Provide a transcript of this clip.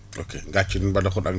ok Ngathie Mbadakhoune ak